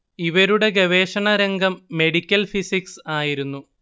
ഇവരുടെ ഗവേഷണ രംഗം മെഡിക്കൽ ഫിസിക്സ് ആയിരുന്നു